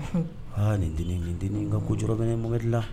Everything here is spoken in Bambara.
Ha nin denin nin denin ka ko jɔrɔ bɛ Mohamed la